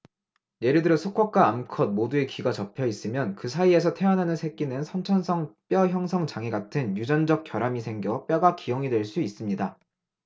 예를 들어 수컷과 암컷 모두의 귀가 접혀 있으면 그 사이에서 태어나는 새끼는 선천성 뼈 형성 장애 같은 유전적 결함이 생겨 뼈가 기형이 될 수 있습니다